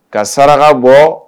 Ka saraka bɔ